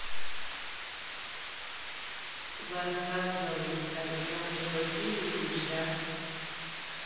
вас как зовут александр васильевич да